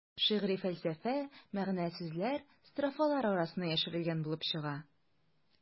Шигъри фәлсәфә, мәгънә-сүзләр строфалар арасына яшерелгән булып чыга.